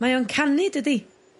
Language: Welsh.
Mae o'n canu dydi?